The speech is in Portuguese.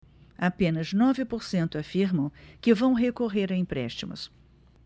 apenas nove por cento afirmam que vão recorrer a empréstimos